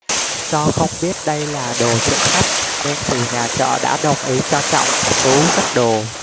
do không biết đây là đồ trộm cắp nên chủ nhà trọ đã đồng ý cho trọng tú cất đồ